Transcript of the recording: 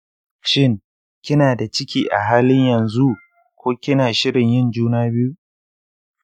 shin kina da ciki a halin yanzu ko kina shirin yin juna biyu?